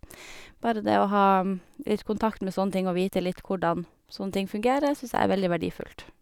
Bare det å ha litt kontakt med sånne ting og vite hvordan sånne ting fungerer, syns jeg er veldig verdifullt.